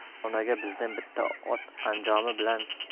mavlonoga bizdan bitta ot anjomi